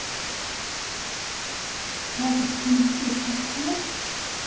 tak hasi tingini úr taskuni